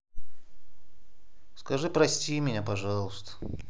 скажи прости меня пожалуйста